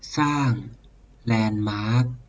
สร้างแลนด์มาร์ค